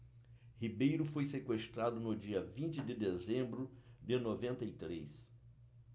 ribeiro foi sequestrado no dia vinte de dezembro de noventa e três